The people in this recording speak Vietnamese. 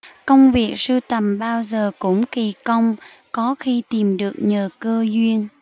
công việc sưu tầm bao giờ cũng kỳ công có khi tìm được nhờ cơ duyên